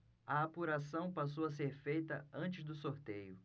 a apuração passou a ser feita antes do sorteio